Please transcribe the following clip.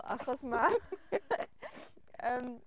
Achos ma' yym...